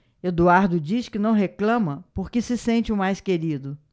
eduardo diz que não reclama porque se sente o mais querido